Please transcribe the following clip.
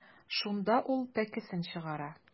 Шунда ул пәкесен чыгара.